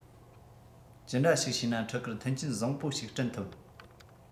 ཅི འདྲ ཞིག བྱས ན ཕྲུ གུར མཐུན རྐྱེན བཟང པོ ཞིག བསྐྲུན ཐུབ